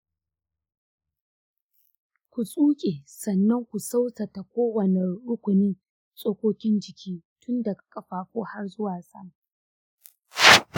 ku tsuke sannan ku sassauta kowane rukunin tsokokin jiki tun daga ƙafafu har zuwa sama.